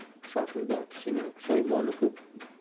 shoshilgan kishining pushaymoni ko'p